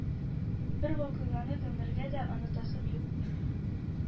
Бер вакыйганы гомергә дә онытасым юк.